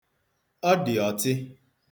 Ọ dị ọtị.